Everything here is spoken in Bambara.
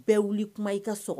Bɛɛ wuli kuma i ka sɔgɔmada ye